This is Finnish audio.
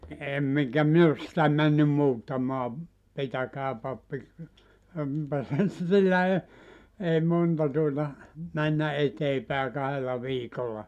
en enkä minä ole sitä mennyt muuttamaan pitäkää pappi enpä ei sillä ei ei monta tuota mennä eteen päin kahdella viikolla